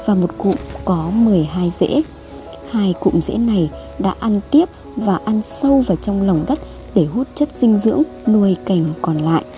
và một cụm có rễ cụm rễ này đã ăn tiếp và ăn sâu vào trong lòng đất để hút chất dinh dưỡng nuôi cành còn lại